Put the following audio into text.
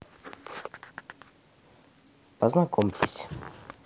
познакомьтесь